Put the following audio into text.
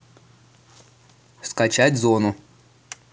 скачать зону